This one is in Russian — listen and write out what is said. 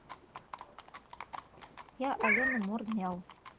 я алена мур мяу